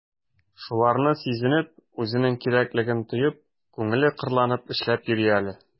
Шуларны сизенеп, үзенең кирәклеген тоеп, күңеле кырланып эшләп йөри әле...